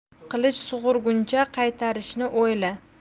qilich sug'urguncha qaytarishni o'yla